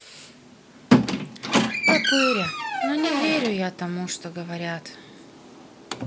топыря но не верю я тому что говорят